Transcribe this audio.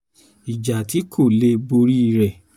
Ìjà tí kò lè borí rèé.